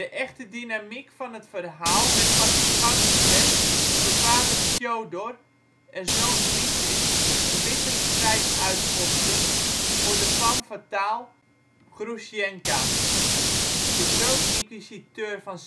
echte dynamiek van het verhaal werd pas in gang gezet, toen vader Fjodor en zoon Dmitri een bittere strijd uitvochten voor de femme fatale Groesjenka. De grootinquisiteur van